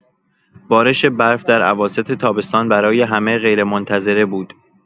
بارش برف در اواسط تابستان برای همه غیرمنتظره بود.